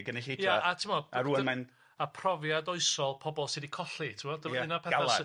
Y gynulleidfa... Ie, a ti'bod y profiad oesol pobl sy' 'di colli, ti'bod Galar...